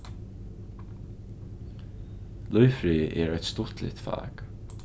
lívfrøði er eitt stuttligt fak